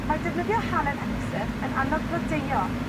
Mae defnyddio halen epsom yn annog blodeuo